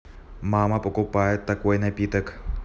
мама покупает такой напиток